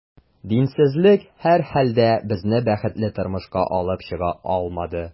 Динсезлек, һәрхәлдә, безне бәхетле тормышка алып чыга алмады.